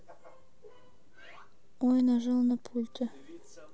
ой нажал на пульте